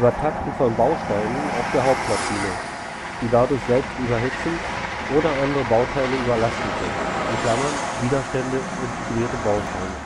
Übertakten von Bausteinen auf der Hauptplatine, die dadurch selbst überhitzen oder andere Bauteile überlasten können (Widerstände, Integrierte Bausteine